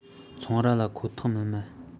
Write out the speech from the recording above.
ཚོང ར ལ ཁོ ཐག མི དམན